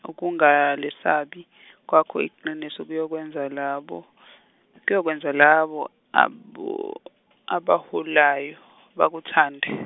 ukungalisabi kwakho iqiniso kuyokwenza labo, kuyokwenza labo abo- obaholayo bakuthande.